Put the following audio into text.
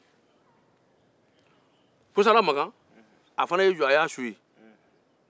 kosaaala makan fana y'i jo k'a jateminɛ